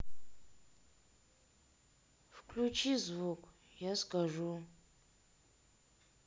включи звук я скажу